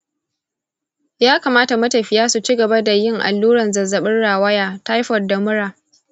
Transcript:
ya kamata matafiya su ci gaba da yin alluran zazzabin rawaya , taifoid , da mura.